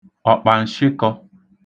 ọ̀kpàǹshịkọ̄